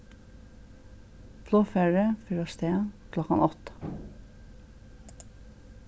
flogfarið fer avstað klokkan átta